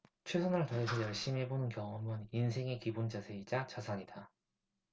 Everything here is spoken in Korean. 최선을 다해서 열심히 해보는 경험은 인생의 기본 자세이자 자산이다